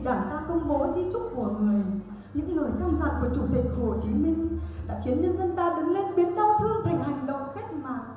đảng ta công bố di chúc của người những lời căn dặn của chủ tịch hồ chí minh đã khiến nhân dân ta đứng lên biến đau thương thành hành động cách mạng